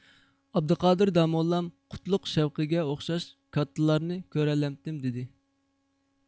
ئابدۇقادىر داموللام قۇتلۇق شەۋقىگە ئوخشاش كاتتىلارنى كۆرەلەمتىم دېدى